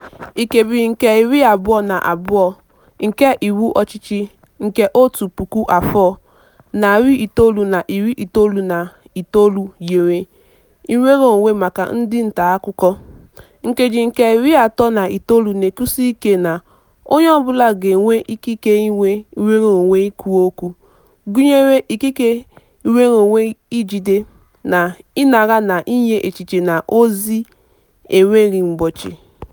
Nkebi nke iri abụọ na abụọ nke iwu ọchịchị nke otu puku afọ, narị itolu na iri itoolu na itoolu nyere nnwereonwe maka ndị ntaakụkọ, Nkeji nke iri atọ na itoolu na-ekwusi ike na ""onye ọbụla ga-enwe ikike inwe nnwereonwe ikwu okwu, gụnyere ikike nnwereonwe ijide, na ịnara na inye echiche na ozi n'enweghị mgbochi...""""